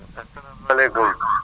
asalaamaaleykum